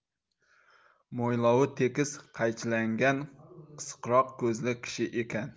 mo'ylovi tekis qaychilangan qisiqroq ko'zli kishi ekan